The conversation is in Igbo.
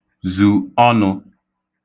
zù ọnụ̄